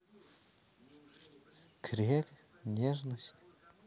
крег нежность